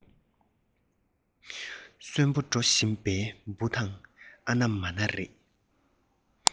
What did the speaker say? གསོན པོ འགྲོ བཞིན པའི འབུ དང ཨ ན མ ན རེད